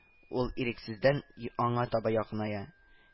Ул ирексездән й аңа таба якыная